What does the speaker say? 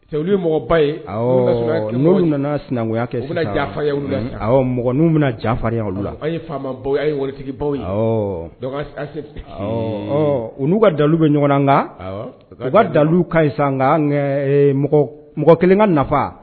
Cɛ olu mɔgɔba ye n' nana sinankunya kɛfa nu bɛna jafarinya olu latigi uu ka dalu bɛ ɲɔgɔn kan u ka dalu ka sisan mɔgɔ kelen ka nafa